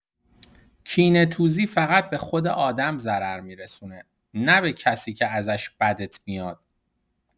کینه‌توزی فقط به خود آدم ضرر می‌رسونه، نه به کسی که ازش بدت میاد.